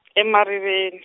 e Mariveni.